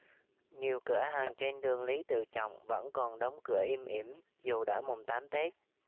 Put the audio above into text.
nhiều cửa hàng trên đường lý tự trọng vẫn còn đóng cửa im ỉm dù đã mùng tám tết